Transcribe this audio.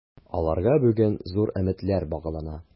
Аларга бүген зур өметләр баглана.